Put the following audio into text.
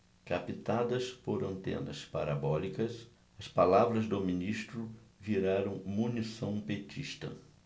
captadas por antenas parabólicas as palavras do ministro viraram munição petista